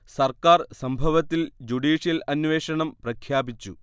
സർക്കാർ സംഭവത്തിൽ ജുഡീഷ്യൽ അന്വേഷണം പ്രഖ്യാപിച്ചു